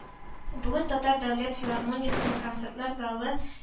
Бүген Татар дәүләт филармониясенең концертлар залы